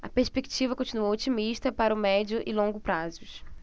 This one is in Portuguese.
a perspectiva continua otimista para o médio e longo prazos